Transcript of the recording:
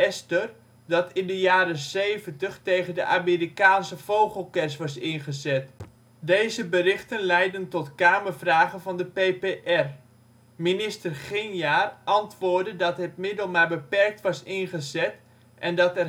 2.4.5.T-ester dat in de jaren ' 70 tegen de Amerikaanse vogelkers was ingezet. Deze berichten leidden tot Kamervragen van de P.P.R.. Minister Ginjaar antwoordde dat het middel maar beperkt was ingezet en dat